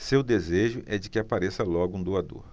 seu desejo é de que apareça logo um doador